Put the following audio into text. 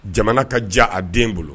Jamana ka ja a den bolo